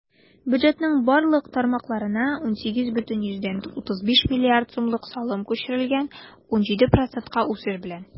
Бюджетның барлык тармакларына 18,35 млрд сумлык салым күчерелгән - 17 процентка үсеш белән.